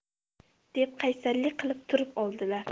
deb qaysarlik qilib turib oldilar